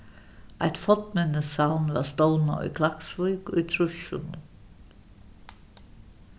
eitt fornminnissavn varð stovnað í klaksvík í trýssunum